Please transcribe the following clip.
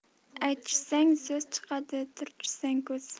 aytishsang so'z chiqadi turtishsang ko'z